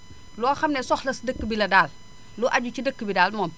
loo xam ne soxlas dëkk bi la daal lu aju ci dëkk bi daal moom